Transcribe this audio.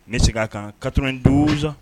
Nbe segin' a kan 92